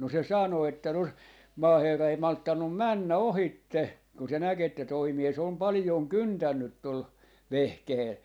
no se sanoi että no maaherra ei malttanut mennä ohitse kun se näki että tuo mies on paljon kyntänyt tuolla vehkeellä